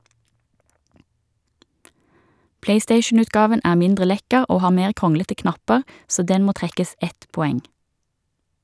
Playstationutgaven er mindre lekker og har mer kronglete knapper, så den må trekkes ett poeng.